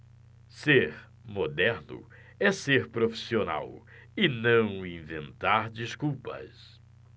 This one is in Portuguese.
ser moderno é ser profissional e não inventar desculpas